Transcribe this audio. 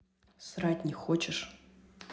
срать не хочешь